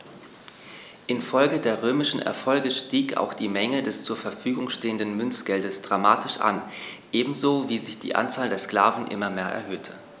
Infolge der römischen Erfolge stieg auch die Menge des zur Verfügung stehenden Münzgeldes dramatisch an, ebenso wie sich die Anzahl der Sklaven immer mehr erhöhte.